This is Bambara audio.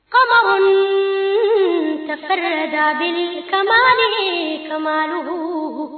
Kamalensonintigɛ da kamalenin kadugu